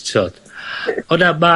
T'od? . Ond na ma'